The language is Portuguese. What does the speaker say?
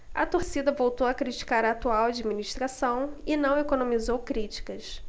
a torcida voltou a criticar a atual administração e não economizou críticas